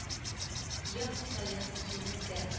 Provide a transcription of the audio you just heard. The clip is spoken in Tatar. Ел саен кимендә